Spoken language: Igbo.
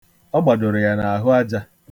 Ọ gbadoro ya n'ahụ aja.